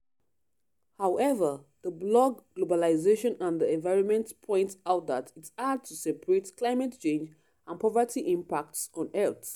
However, the blog Globalisation and the Environment points out that it's hard to separate climate change and poverty's impacts on health.